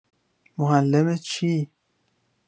معلم چی؟